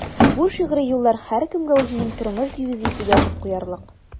Бу шигъри юллар һәркемгә үзенең тормыш девизы итеп язып куярлык.